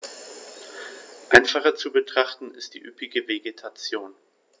Einfacher zu betrachten ist die üppige Vegetation.